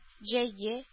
Җәйге